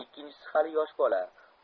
ikkinchisi hali yosh bola